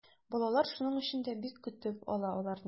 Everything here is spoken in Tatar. Балалар шуның өчен дә бик көтеп ала аларны.